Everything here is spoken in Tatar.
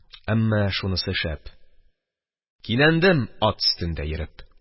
Әмма шунысы шәп – кинәндем ат өстендә йөреп.